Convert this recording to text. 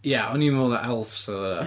Ia, o'n i'n meddwl 'na elfs oedden nhw .